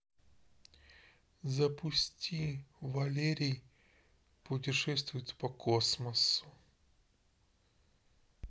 запусти валерий путешествует по космосу